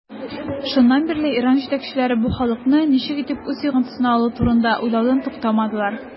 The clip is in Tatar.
Шуннан бирле Иран җитәкчеләре бу халыкны ничек итеп үз йогынтысына алу турында уйлаудан туктамадылар.